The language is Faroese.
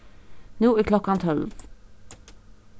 nú er klokkan tólv